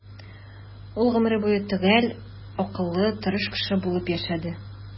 Ул гомере буе төгәл, акыллы, тырыш кеше булып яшәде.